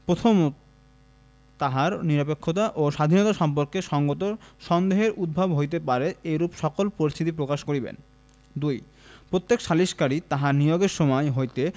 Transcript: প্রথম তাহার নিরপেক্ষতা ও স্বাধীনতা সম্পর্কে সঙ্গত সন্দেহের উদ্ভব হইতে পারে এইরূপ সকল পরিস্থিতি প্রকাশ করিবেন ২ প্রত্যেক সালিসকারী তাহার নিয়োগের সময় হইতে